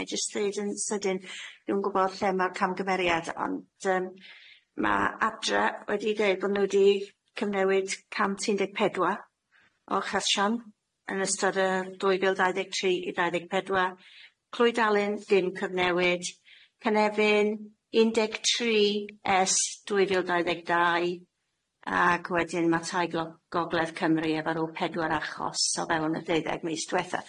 Nâi jyst ddeud yn sydyn dwi'm gwbod lle ma'r camgymeriad ond yym ma' Adre wedi deud bo' n'w di cyfnewid camt un deg pedwar o chasion yn ystod yy dwy fil dau ddeg tri i dau ddeg pedwar, Clwyd Alun ddim cyfnewid, Canefin un deg tri es dwy fil dau ddeg dau ag wedyn ma' Tai glo- Gogledd Cymru efo rw pedwar achos o fewn y deuddeg mis dwetha.